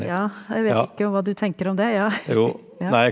ja jeg vet ikke hva du tenker om det ja ja.